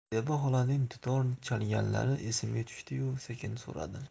zebi xolaning dutor chalganlari esimga tushdiyu sekin so'radim